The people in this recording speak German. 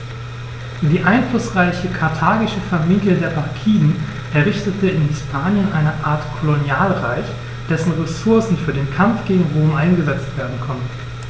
Die einflussreiche karthagische Familie der Barkiden errichtete in Hispanien eine Art Kolonialreich, dessen Ressourcen für den Kampf gegen Rom eingesetzt werden konnten.